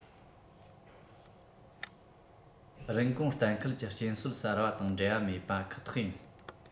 རིན གོང གཏན འཁེལ གྱི རྐྱེན སྲོལ གསར པ དང འབྲེལ བ མེད པ ཁག ཐག ཡིན